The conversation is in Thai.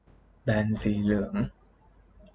แบนสีเหลือง